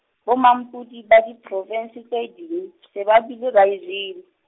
bo mampodi, ba diprovinse tse di ding, se ba bile ba e jele.